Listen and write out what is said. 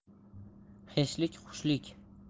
xeshlik xushlik